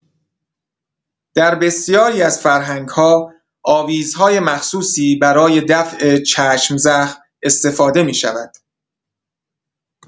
در بسیاری از فرهنگ‌ها، آویزهای مخصوصی برای دفع چشم‌زخم استفاده می‌شود.